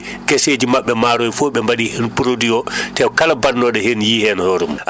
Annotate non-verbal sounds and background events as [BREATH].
geseeji maɓɓe maaro e fof ɓe mbaɗi heen produit o [BREATH] te kala mbaɗnooɗo heen yiyii heen hoore mum